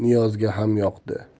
niyozga ham yoqdi